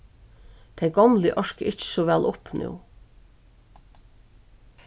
tey gomlu orka ikki so væl upp nú